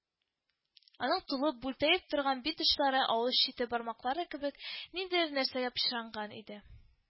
Аның тулып, бүлтәеп торган бит очлары, авыз чите, бармаклары кебек, ниндидер нәрсәгә пычранган иде